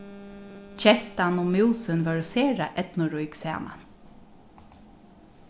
kettan og músin vóru sera eydnurík saman